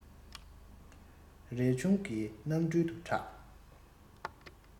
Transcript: རས ཆུང གི རྣམ སྤྲུལ དུ གྲགས